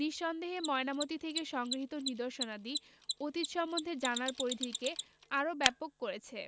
নিঃসন্দেহে ময়নামতী থেকে সংগৃহীত নিদর্শনাদি অতীত সম্বন্ধে জানার পরিধিকে আরও ব্যাপক করেছে